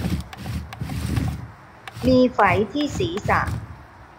มีไฝที่ศีรษะ